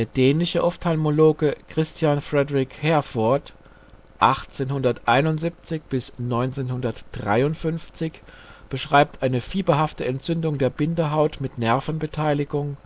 dänische Opthalmologe Christian Frederick Heerfordt (1871 - 1953) beschreibt eine fieberhafte Entzündung der Bindehaut mit Nervenbeteiligung